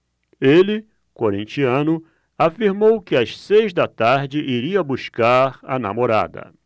ele corintiano afirmou que às seis da tarde iria buscar a namorada